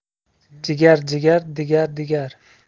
jigar jigar digar digar